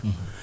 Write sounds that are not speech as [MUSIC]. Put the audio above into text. [HESITATION] [HESITATION]